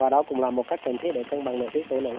và đó cũng là một cách cần thiết để cân bằng nội tiết tố nữ